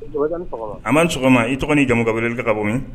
A man sɔgɔma i tɔgɔ ni jamumu ka weleli ka ka bɔ